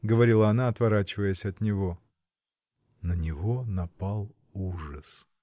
— говорила она, отворачиваясь от него. На него напал ужас.